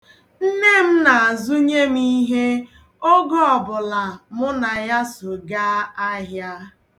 Nne m na-azụnye m ihe oge ọbụla mụ na ya so gaa ahịa.